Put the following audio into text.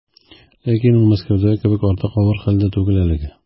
Ләкин ул Мәскәүдәге кебек артык авыр хәлдә түгел әлегә.